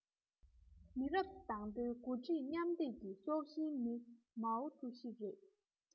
མི རབས དང པོའི འགོ ཁྲིད མཉམ སྡེབ ཀྱི སྲོག ཤིང ནི མའོ ཀྲུའུ ཞི རེད